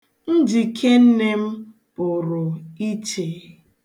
Njike nne m pụrụ iche.